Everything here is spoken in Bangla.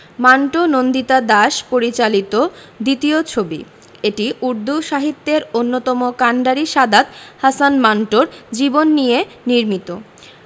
মান্টো নন্দিতা দাস পরিচালিত দ্বিতীয় ছবি এটি উর্দু সাহিত্যের অন্যতম কান্ডারি সাদাত হাসান মান্টোর জীবন নিয়ে নির্মিত